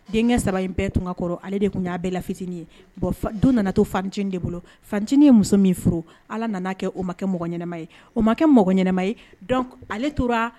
Denkɛ 3 in bɛɛ tun ka kɔrɔ ale de tun y'a bɛɛ la fitinin ye bon du nana to fanincinin de bolo fancinin ye muso min furu Ala na na kɛ o makɛ mɔgɔ ɲɛnama ye o man kɛ mɔgɔ ɲɛnama ye donc ale tora